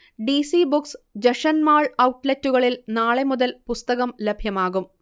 D. C books, Jashanmal ഔട്ട്ലെറ്റുകളിൽ നാളെ മുതൽ പുസ്തകം ലഭ്യമാകും